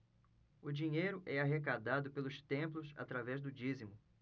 o dinheiro é arrecadado pelos templos através do dízimo